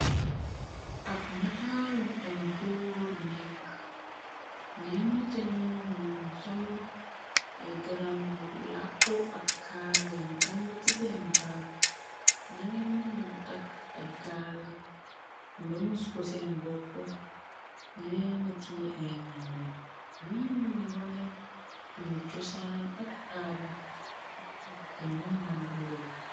Ab netaal bu ay góor nekk ñenn cañoo ño nga sol ay gëram b bu làkkoo ab kaala yu ngand ci seeni baat ñeneen nanu nga tàkk ay kaala lëmus ko seen bopp ñeneen na tiiee ay ngàndaay lii mungi wane sunu cosaan ak aada ak mat ngi njàkka ñu nuñ dan dundee.